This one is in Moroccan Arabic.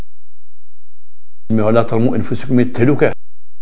ولا ترموا انفسكم